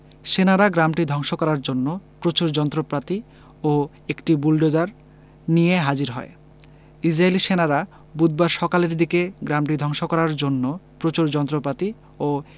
সেনারা গ্রামটি ধ্বংস করার জন্য প্রচুর যন্ত্রপাতি ও একটি বুলোডোজার নিয়ে হাজির হয় ইসরাইলী সেনারা বুধবার সকালের দিকে গ্রামটি ধ্বংস করার জন্য প্রচুর যন্ত্রপাতি ও